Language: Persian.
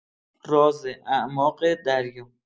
راز اعماق دریا